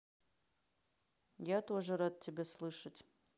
я тоже рад тебя слышать